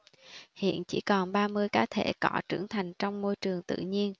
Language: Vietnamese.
hiện chỉ còn ba mươi cá thể cọ trưởng thành trong môi trường tự nhiên